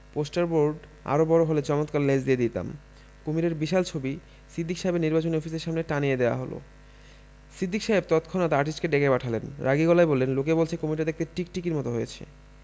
poster board আয়ে বড় হলে চমৎকার লেজ দিয়ে দিতাম কুশীবের বিশাল ছবি সিদ্দিক সাহেবের নির্বাচনী অফিসের সামনে টানিয়ে দেয়া হল সিদ্দিক সাহেব তৎক্ষণাৎ আর্টিস্টকে ডেকে পাঠালেন রাগী গলায় বললেন লোকে বলছে কুমীরটা দেখতে টিকটিকির মত হয়েছে